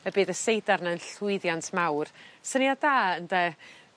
y bydd y seidar na'n llwyddiant mawr syniad da ynde?